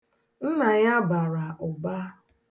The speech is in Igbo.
Nna ya bara ụba.